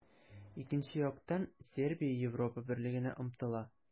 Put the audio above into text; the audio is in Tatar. Икенче яктан, Сербия Европа Берлегенә омтыла.